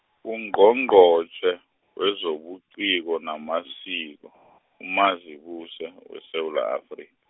Ungqongqotjhe, wezobuciko namasiko , uMazibuse, weSewula Afri-.